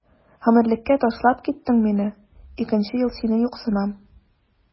Гомерлеккә ташлап киттең мине, икенче ел сине юксынам.